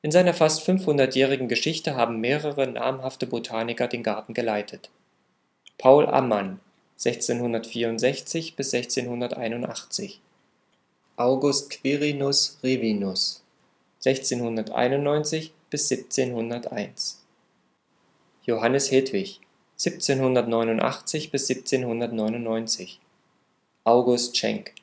seiner fast 500jährigen Geschichte haben mehrere namhafte Botaniker den Garten geleitet: Paul Ammann (1664 - 1681) August Quirinus Rivinus (1691 - 1701) Johannes Hedwig (1789 - 1799) August Schenk